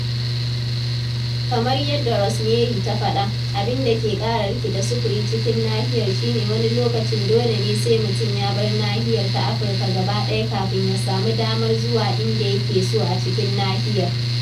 Kamar yadda Rosemary ta faɗa, abin da ke ƙara rikita sufuri cikin nahiyar shi ne wani lokacin dole ne sai mutum ya bar nahiyar ta Afirka gaba ɗaya kafin ya sami damar zuwa inda ya ke so a cikin nahiyar.